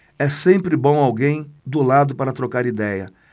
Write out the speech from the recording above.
é sempre bom alguém do lado para trocar idéia